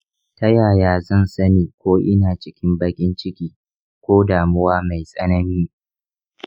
ta yaya zan sani ko ina cikin baƙin ciki/damuwa mai tsanani?